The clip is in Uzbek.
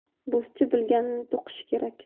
bo'zchi bilganini to'qishi kerak